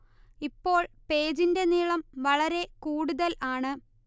ഇപ്പോൾ പേജിന്റെ നീളം വളരെ കൂടുതൽ ആണ്